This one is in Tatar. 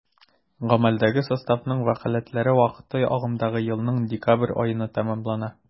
Гамәлдәге составның вәкаләтләре вакыты агымдагы елның декабрь аенда тәмамлана.